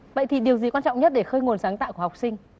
vậy thì điều gì quan trọng nhất để khơi nguồn sáng tạo của học sinh